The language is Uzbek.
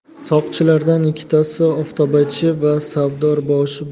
soqchilardan ikkitasi oftobachi va savdarboshi